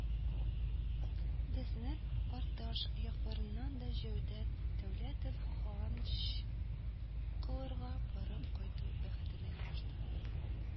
Безнең Арташ якларыннан да Җәүдәт Дәүләтов хаҗ кылырга барып кайту бәхетенә иреште